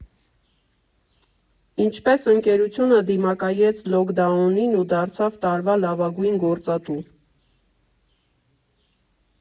Ինչպես ընկերությունը դիմակայեց լոքդաունին ու դարձավ տարվա լավագույն գործատու։